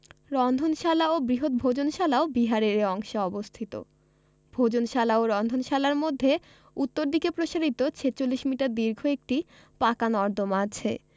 রন্ধনশালা ও বৃহৎ ভোজনশালাও বিহারের এ অংশে অবস্থিত ভোজনশালা ও রন্ধনশালার মধ্যে উত্তরদিকে প্রসারিত ৪৬ মিটার দীর্ঘ একটি পাকা নর্দমা আছে